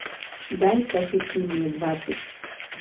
дай пошути мне двадцать